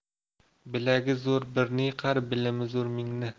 bilagi zo'r birni yiqar bilimi zo'r mingni